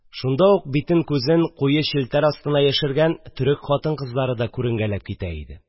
Шунда ук битен-күзен куе челтәр астына яшергән төрек хатын-кызлары да күренгәләп китә иде,